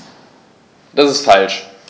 Das ist falsch.